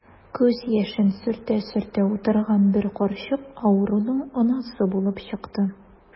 Күз яшен сөртә-сөртә утырган бер карчык авыруның анасы булып чыкты.